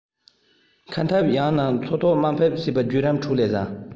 མཁའ འཐབ ཡང ན མཚོ ཐོག དམག འཐབ བྱེད པའི བརྒྱུད རིམ ཁྲོད ལས བཟང